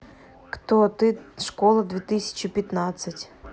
кто ты школа две тысячи пятнадцать